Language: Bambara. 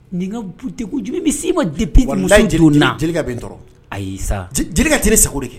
Nin ka degun jumɛn de bɛ se e man sa dépuis -? _Wallahi jeliw , Jelika bɛ n tɔɔrɔ ayisa Jelika tɛ n sago de kɛ